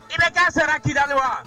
I bɛ kɛ sara kidali wa